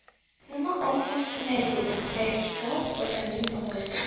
nima ovqat qilay dedi aybdor odamning ovozida